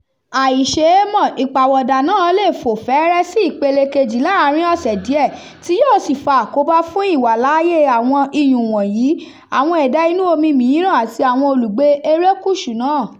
A ì í ṣe é mọ̀, ìpàwọ̀dà náà lè fò fẹ̀rẹ̀ sí ìpele kejì láàárín ọ̀sẹ̀ díẹ̀, tí yóò sì fa àkóbá fún ìwàláàyè àwọn iyùn wọ̀nyí, àwọn ẹ̀dá inú omi mìíràn àti àwọn olùgbé erékùṣù náà.